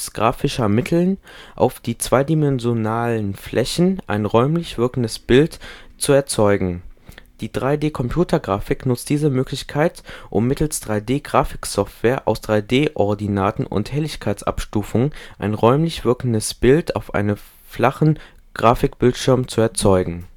grafischen Mitteln auf einer zweidimensionalen Fläche ein räumlich wirkendes Bild zu erzeugen. Die 3-D-Computergrafik nutzt diese Möglichkeit, um mittels 3D-Grafiksoftware aus 3-D-Ordinaten und Helligkeits-Abstufungen ein räumlich wirkendes Bild auf dem flachen Grafikbildschirm zu erzeugen